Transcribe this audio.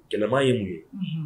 Tman ye mun ye